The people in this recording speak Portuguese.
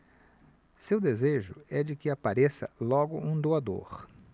seu desejo é de que apareça logo um doador